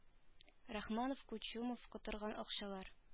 Рахманов кучумов котырган акчалар